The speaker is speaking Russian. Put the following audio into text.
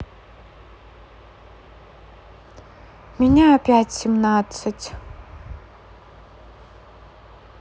меня опять семнадцать